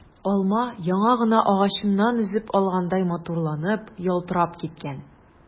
Алма яңа гына агачыннан өзеп алгандай матурланып, ялтырап киткән.